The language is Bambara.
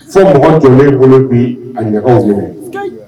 Fo mɔgɔ tun bɛ bolo bi a ɲɔgɔnw ɲini